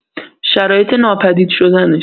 شرایط ناپدید شدنش